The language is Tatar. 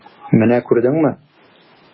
Менә күрдеңме?